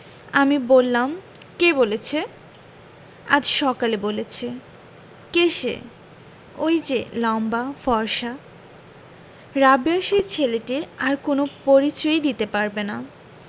আমি বললাম কে বলেছে আজ সকালে বলেছে কে সে ঐ যে লম্বা ফর্সা রাবেয়া সেই ছেলেটির আর কোন পরিচয়ই দিতে পারবে না